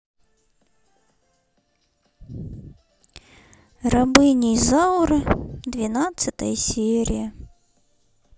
рабыня изаура двенадцатая серия